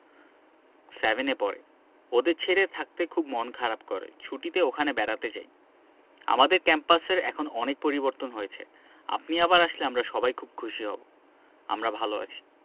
seven এ পড়ে ওদের ছেড়ে থাকতে খুব মন খারাপ করে ছুটিতে ওখানে বেড়াতে যাই আমাদের ক্যাম্পাসের এখন অনেক পরিবর্তন হয়েছে আপনি আবার আসলে আমরা সবাই খুব খুশি হব আমরা ভালো আছি